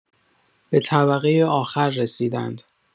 به طبقه آخر رسیدند.